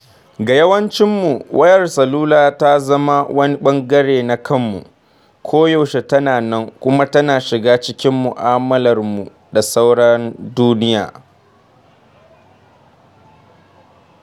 Ga yawancinmu, wayar salula ta zama wani ɓangare na kanmu – koyaushe tana nan, kuma tana shiga cikin mu’amalarmu da sauran duniya.